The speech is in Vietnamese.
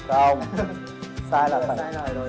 không sai là phải